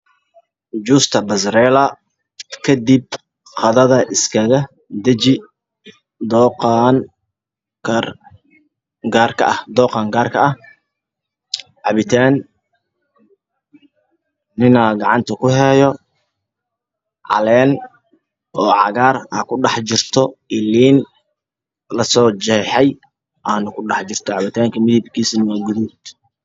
Juusta kadib qadada iskaga daji cabitaan